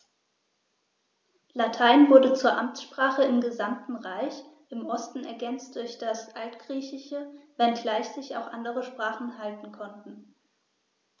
Latein wurde zur Amtssprache im gesamten Reich (im Osten ergänzt durch das Altgriechische), wenngleich sich auch andere Sprachen halten konnten.